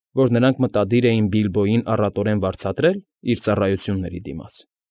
Որ նրանք մտադիր էին Բիլբոյին առատորեն վարձատրե՞լ իր ծառայությունների դիմաց։